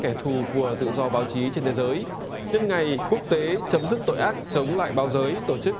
kẻ thù của tự do báo chí trên thế giới nhân ngày quốc tế chấm dứt tội ác chống lại báo giới tổ chức